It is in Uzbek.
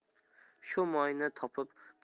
shu moyni topib